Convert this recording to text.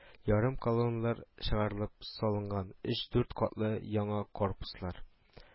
Ярым колонналар чыгарлып салынган өч-дүрт катлы яңа корпуслар